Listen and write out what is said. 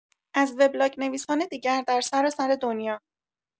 از وبلاگ‌نویسان دیگر در سراسر دنیا